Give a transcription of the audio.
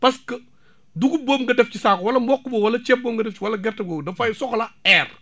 parce que dugub boobu nga def ci saako wala mboq boobu wala ceeb boobu wala gerte boobu dafay soxla air